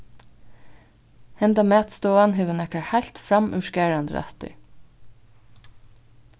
henda matstovan hevur nakrar heilt framúrskarandi rættir